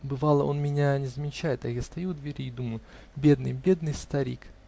Бывало, он меня не замечает, а я стою у двери и думаю: "Бедный, бедный старик!